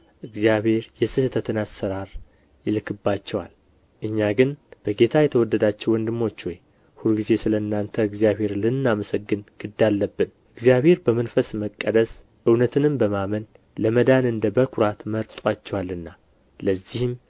እግዚአብሔር የስሕተትን አሠራር ይልክባቸዋል እኛ ግን በጌታ የተወደዳችሁ ወንድሞች ሆይ ሁልጊዜ ስለ እናንተ እግዚአብሔርን ልናመሰግን ግድ አለብን እግዚአብሔር በመንፈስ መቀደስ እውነትንም በማመን ለመዳን እንደ በኵራት መርጦአችኋልና ለዚህም